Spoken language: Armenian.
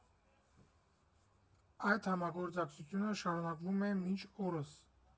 Այդ համագործակցությունը շարունակվում է մինչ օրս։